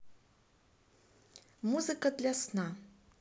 музыка для сна